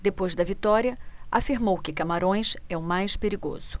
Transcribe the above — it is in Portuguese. depois da vitória afirmou que camarões é o mais perigoso